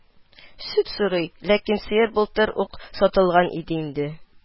Сөт сорый, ләкин сыер былтыр ук сатылган иде инде